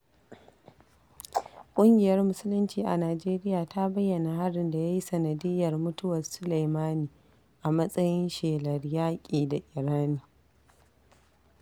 ƙungiyar Musulunci a Nijeriya ta bayyana harin da ya yi sanadiyar mutuwar Soleimani a matsayin 'shelar yaƙi da Iran'.